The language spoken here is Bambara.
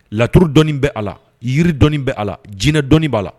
Laturu dɔn bɛ a la yiri dɔn bɛ a jinɛinɛ dɔnnii b'a la